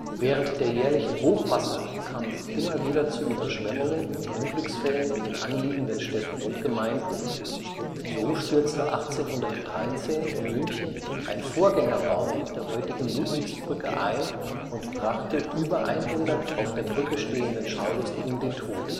Während der jährlichen Hochwasser kam es immer wieder zu Überschwemmungen und Unglücksfällen in den anliegenden Städten und Gemeinden. So stürzte 1813 in München ein Vorgängerbau der heutigen Ludwigsbrücke ein und brachte so über 100 auf der Brücke stehenden Schaulustigen den Tod